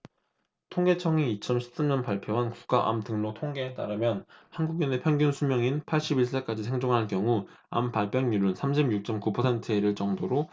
통계청이 이천 십 삼 년 발표한 국가암등록통계에 따르면 한국인의 평균수명인 팔십 일 세까지 생존할 경우 암발병률은 삼십 육 쩜 구 퍼센트에 이를 정도로 암은 흔한 병이 된 상태다